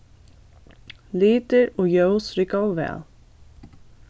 litir og ljós riggaðu væl